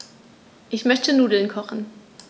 Ich möchte Nudeln kochen.